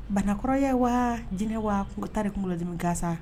Banakɔrɔ ye wa jinɛ wa kun taa de tun ladimika sa